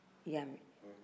i y'a mɛ